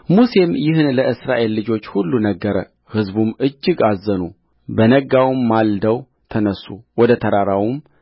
ሙሴም ይህን ለእስራኤል ልጆች ሁሉ ነገረ ሕዝቡም እጅግ አዘኑበነጋውም ማልደው ተነሡ ወደ ተራራውም